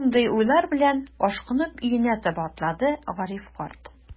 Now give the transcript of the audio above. Шундый уйлар белән, ашкынып өенә таба атлады Гариф карт.